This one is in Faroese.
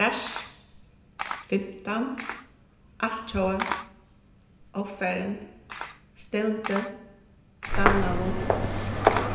krassj fimtan altjóða ovfarin stevndi savnaðu